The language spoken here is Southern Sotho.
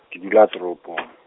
ke dula toropong.